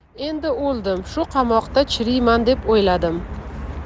endi o'ldim shu qamoqda chiriyman deb o'yladim